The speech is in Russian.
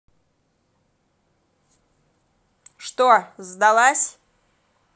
что сдалась